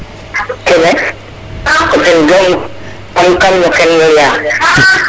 kene ga'um no kene nu layaa.